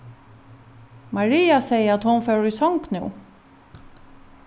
maria segði at hon fór í song nú